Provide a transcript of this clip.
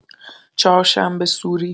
چهارشنبه‌سوری